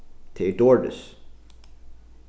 tað er doris